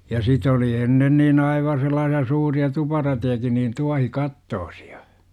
ja sitten oli ennen niin aivan sellaisia suuria tuparatejakin niin tuohikattoisia